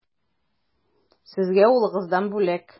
Сезгә улыгыздан бүләк.